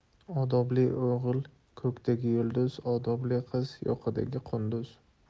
odobli o'g'il ko'kdagi yulduz odobli qiz yoqadagi qunduz